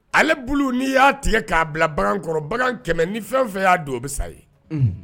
Ale bolo n' y'a tigɛ k'a bila bagankɔrɔ bagan kɛmɛ ni fɛn fɛn y'a don o bɛ sa ye